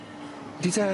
Yndi tad.